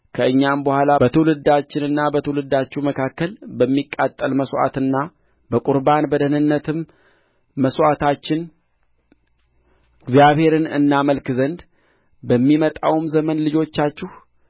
ከእኛም በኋላ በትውልዳችንና በትውልዳችሁ መካከል በሚቃጠል መሥዋዕትና በቍርባን በደኅንነትም መሥዋዕታችን እግዚአብሔርን እናመልክ ዘንድ በሚመጣውም ዘመን ልጆቻችሁ